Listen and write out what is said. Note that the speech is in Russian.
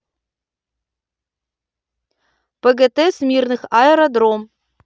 пгт смирных аэродром